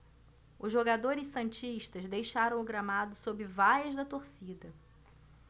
os jogadores santistas deixaram o gramado sob vaias da torcida